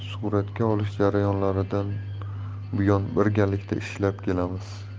suratga olish jarayonlaridan buyon birgalikda ishlab kelamiz